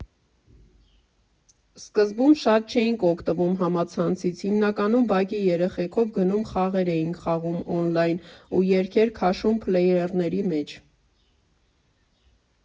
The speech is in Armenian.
Սկզբում շատ չէինք օգտվում համացանցից, հիմնականում բակի երեխեքով գնում խաղեր էինք խաղում օնլայն ու երգեր քաշում փլեյերների մեջ։